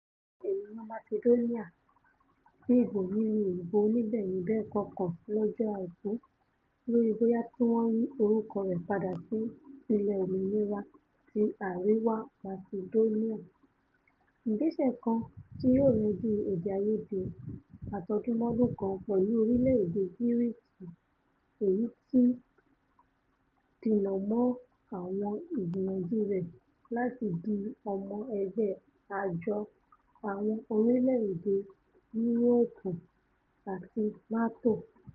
Àwọn ènìyàn Macedoni dìbò nínú ìbò oníbẹ́èni-bẹ́ẹ̀kọ́ kan lọ́jọ́ Àìkú lórí bóyá kí wọ́n yí orúkọ rẹ̀ padà si ''Ilẹ̀ Olómìnira ti Àríwá Masidónià,'' ìgbésẹ kan tí yóò yanjú èdè-àìyedè atọdunmọdun kan pẹlu orilẹ-ede Gíríkì èyití ó ti dínà mọ́ àwọn ìgbìyànjú rẹ̀ làti di ọmọ ẹgbẹ́ Àjọ Àwọn orílẹ̀-èdè Yúróòpù àti NATO.